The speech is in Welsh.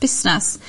busnas